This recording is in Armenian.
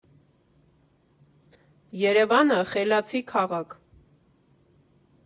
Երևանը խելացի քաղաք։